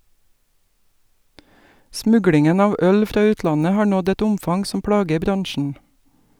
Smuglingen av øl fra utlandet har nådd et omfang som plager bransjen.